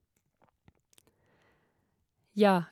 Ja.